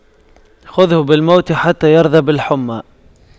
خُذْهُ بالموت حتى يرضى بالحُمَّى